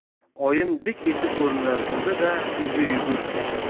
oyim dik etib o'rnidan turdi da uyga yugurdi